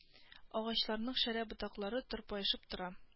Агачларның шәрә ботаклары тырпаешып тора